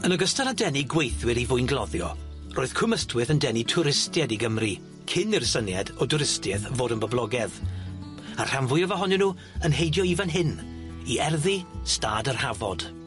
Yn ogystal â denu gweithwyr i fwyngloddio, roedd Cwm Ystwyth yn denu twristied i Gymru, cyn i'r syniad o dwristieth fod yn boblogedd a'r rhan fwyaf ohonyn nw yn heidio i fan hyn, i erddi Stad yr Hafod.